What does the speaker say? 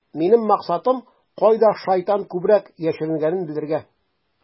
Минем максатым - кайда шайтан күбрәк яшеренгәнен белергә.